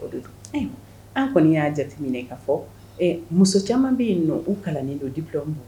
An kɔni y'a jate ɲini ka fɔ muso caman bɛ yen nɔn u kalan ni don dibi